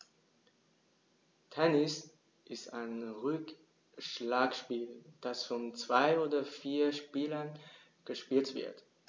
Tennis ist ein Rückschlagspiel, das von zwei oder vier Spielern gespielt wird.